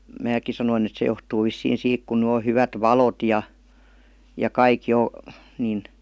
minäkin sanoin että se johtuu vissiin siitä kun nyt on hyvät valot ja ja kaikki jo niin